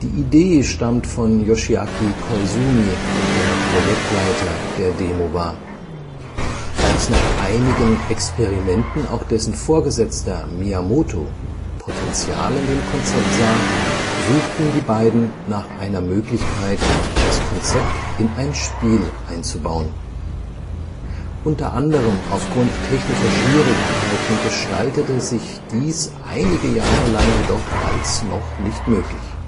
Idee stammt von Yoshiaki Koizumi, der Projektleiter der Demo war. Als nach einigen Experimenten auch dessen Vorgesetzter Miyamoto Potenzial in dem Konzept sah, suchten die beiden nach einer Möglichkeit, das Konzept in ein Spiel einbauen. Unter anderem aufgrund technischer Schwierigkeiten gestaltete sich dies einige Jahre lang als noch nicht möglich